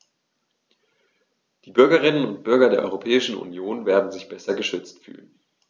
Die Bürgerinnen und Bürger der Europäischen Union werden sich besser geschützt fühlen.